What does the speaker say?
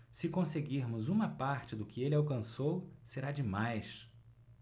se conseguirmos uma parte do que ele alcançou será demais